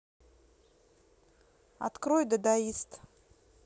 открой дадаист